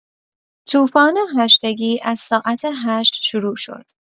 طوفان هشتگی از ساعت ۸ شروع شد.